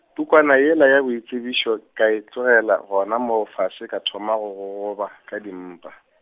pukwana yela ya boitsebišo, ka e tlogela gona moo fase ka thoma go gogoba ka dimpa .